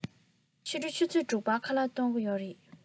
ཕྱི དྲོ ཆུ ཚོད དྲུག པར ཁ ལག གཏོང གི རེད